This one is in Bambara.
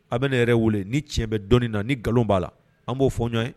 Aw bɛ yɛrɛ wele ni tiɲɛ bɛ dɔɔnin na ni nkalon b'a la an b'o fɔ ɲɔgɔn ye